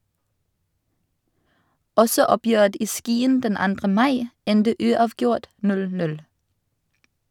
Også oppgjøret i Skien den 2. mai endte uavgjort, 0-0.